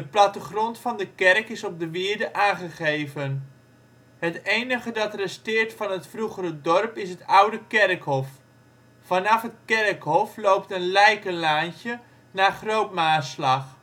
plattegrond van de kerk is op de wierde aangegeven. Het enige dat resteert van het vroegere dorp is het oude kerkhof. Vanaf het kerkhof loopt een Lijkenlaantje naar Groot Maarslag